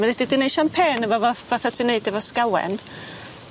Ma' nw 'di 'di neud champagne efo fo fatha ti'n neud efo sgawen.